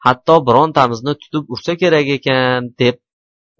hatto birontamizni tutib ursa kerak ekan deb